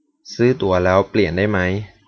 ซื้อตั๋วแล้วเปลี่ยนได้มั้ย